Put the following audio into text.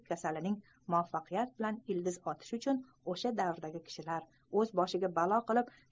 kasalining muvaffaqiyat bilan ildiz otishi uchun o'z boshiga balo qilib